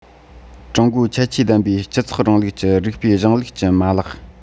ཀྲུང གོའི ཁྱད ཆོས ལྡན པའི སྤྱི ཚོགས རིང ལུགས ཀྱི རིགས པའི གཞུང ལུགས ཀྱི མ ལག